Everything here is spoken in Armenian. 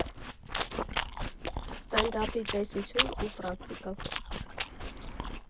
Ստենդափի տեսություն ու պրակտիկա.